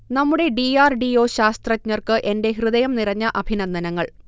നമ്മുടെ D. R. D. O. ശാസ്ത്രജ്ഞർക്ക് എന്റെ ഹൃദയം നിറഞ്ഞ അഭിനന്ദങ്ങൾ